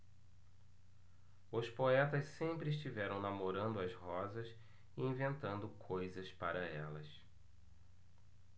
os poetas sempre estiveram namorando as rosas e inventando coisas para elas